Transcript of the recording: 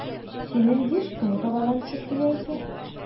Синең дискың табадан төшеп килә икән.